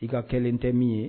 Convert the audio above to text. I ka kelen tɛ min ye